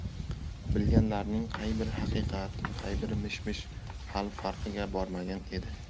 bilganlarining qay biri haqiqat qay biri mish mish hali farqiga bormagan edi